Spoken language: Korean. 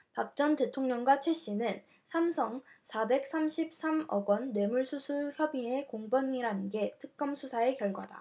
박 전 대통령과 최씨는 삼성 사백 삼십 삼 억원 뇌물수수 혐의의 공범이라는 게 특검 수사 결과다